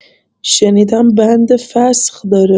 شنیدم بند فسخ داره